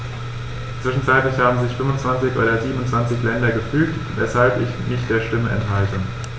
Zwischenzeitlich haben sich 25 der 27 Länder gefügt, weshalb ich mich der Stimme enthalte.